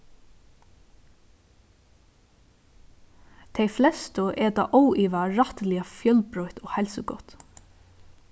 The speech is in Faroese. tey flestu eta óivað rættiliga fjølbroytt og heilsugott